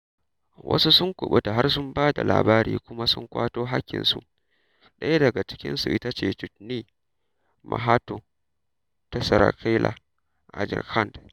Wasu sun kuɓuta har sun ba da labari kuma sun kwato haƙƙinsu. ɗaya daga cikinsu ita ce Chutni Mahato ta Saraikela a Jharkand.